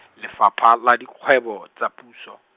Lefapha la Dikgwebo tsa Puso.